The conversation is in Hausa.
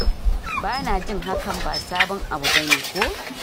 "" "Bana jin hakan ba sabon abu bane, ko?"."